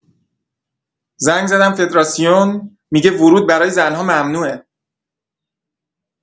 زنگ زدم فدارسیون می‌گه ورود برای زن‌ها ممنوعه.